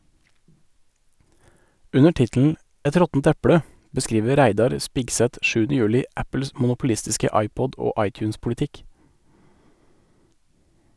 Under tittelen "Et råttent eple" beskriver Reidar Spigseth 7. juli Apples monopolistiske iPod- og iTunes-politikk.